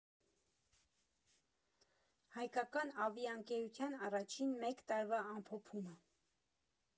Հայկական ավիաընկերության առաջին մեկ տարվա ամփոփումը։